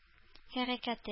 Хәрәкәт